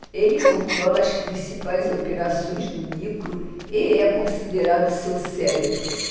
ele controla as principais operações do micro e é considerado seu cérebro